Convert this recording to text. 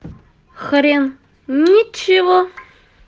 хрен ничего